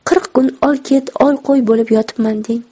qirq kun ol ket ol qo'y bo'lib yotibman deng